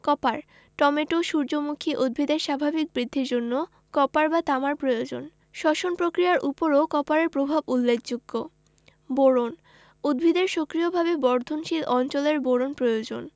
copper tomato সূর্যমুখী উদ্ভিদের স্বাভাবিক বৃদ্ধির জন্য কপার বা তামার প্রয়োজন শ্বসন পক্রিয়ার উপরও কপারের প্রভাব উল্লেখযোগ্য বোরন উদ্ভিদের সক্রিয়ভাবে বর্ধনশীল অঞ্চলের জন্য বোরন প্রয়োজন